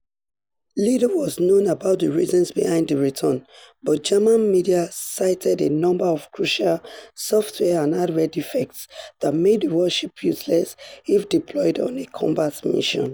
Little was known about the reasons behind the return, but German media cited a number of crucial "software and hardware defects" that made the warship useless if deployed on a combat mission.